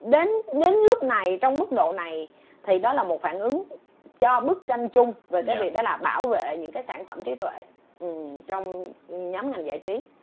đến đến lúc này trong mức độ này thì đó là một phản ứng cho bức tranh chung về cái việc đó là bảo vệ những cái sản phẩm trí tuệ trong nhóm ngành giải trí